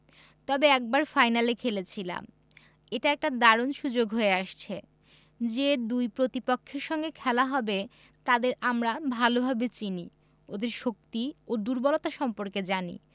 তবে একবার ফাইনাল খেলেছিলাম এটা একটা দারুণ সুযোগ হয়ে আসছে যে দুই প্রতিপক্ষের সঙ্গে খেলা হবে তাদের আমরা ভালোভাবে চিনি ওদের শক্তি ও দুর্বলতা সম্পর্কে জানি